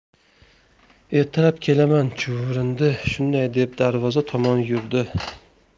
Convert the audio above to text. ertalab kelaman chuvrindi shunday deb darvoza tomon yurdi